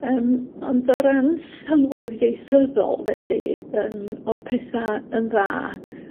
Yym ond o ran sylwedd ieithyddol felly yym o'dd petha yn dda